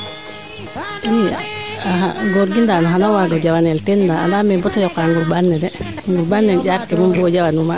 i Guorgui Ndane xana waago jawanal teen ndaa andaame bata yaqa ngurmbaan ne de ngurmbaan ne njar ke de moom bo jawa nuuma